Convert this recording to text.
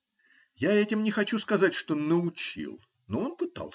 Я этим не хочу сказать, что научил, но он пытался.